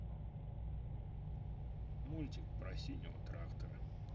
мультик про синего трактора